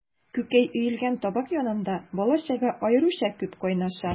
Күкәй өелгән табак янында бала-чага аеруча күп кайнаша.